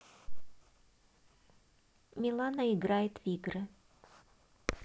милана играет в игры